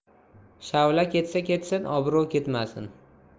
shavla ketsa ketsin obro' ketmasin